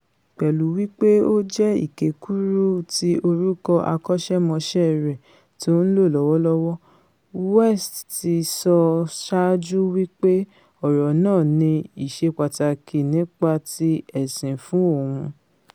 Pẹ̀lú wí pé ó jẹ́ ìkékúrú ti orúkọ akọ́ṣẹ́mọṣẹ́ rẹ̀ tó ńlò lọ́wọ́lọ́wọ́, West ti sọ saájú wí pé ọ̀rọ̀ náà ní ìṣepàtàkì nípa ti ẹsìn fún òun